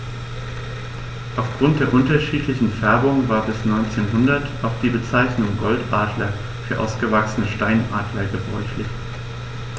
Auf Grund der unterschiedlichen Färbung war bis ca. 1900 auch die Bezeichnung Goldadler für ausgewachsene Steinadler gebräuchlich.